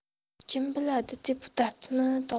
kim biladi deputatni top